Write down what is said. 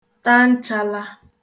ta nchāla